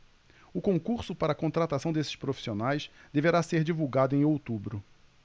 o concurso para contratação desses profissionais deverá ser divulgado em outubro